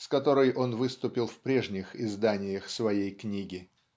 с которой он выступил в прежних изданиях своей книги.